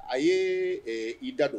A ye i dadon